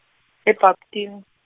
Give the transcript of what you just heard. eBapthini.